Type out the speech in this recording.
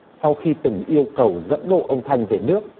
sau khi từng yêu cầu dẫn độ ông thanh về nước